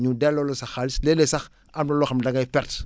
ñu delloo la sa xaalis léeg-léeg sax am loo xam ne da ngay perte